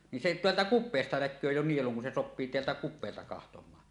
niin se täältä kupeesta näkee jo nielun kun se sopii täältä kupeelta katsomaan